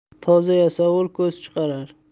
toza yasovul ko'z chiqarar